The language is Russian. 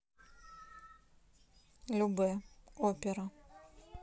любэ опера